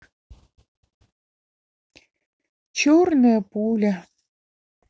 черная пуля